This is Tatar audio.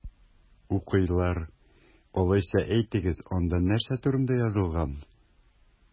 Укыйлар! Алайса, әйтегез, анда нәрсә турында язылган?